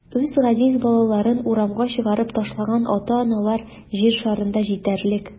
Үз газиз балаларын урамга чыгарып ташлаган ата-аналар җир шарында җитәрлек.